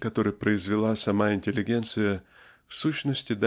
который произвела сама интеллигенция в сущности